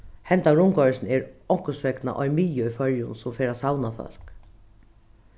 hendan rundkoyringin er onkursvegna ein miðja í føroyum sum fer at savna fólk